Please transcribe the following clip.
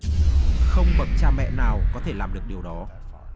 không bậc cha mẹ nào có thể làm được điều đó